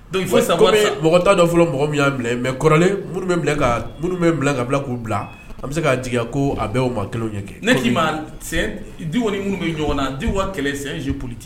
Don sa mɔgɔ tan fɔlɔ mɔgɔ min y' bila mɛ kɔrɔlen minnu minnu bila ka bila k'u bila an bɛ se' jigi ko a bɛ ma kelen ɲɛ kɛ ne k'i du minnu bɛ ɲɔgɔn na di kɛlɛsin politi